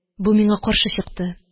Бу миңа каршы чыкты